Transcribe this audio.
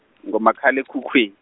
ngomakhalekhukhwi-.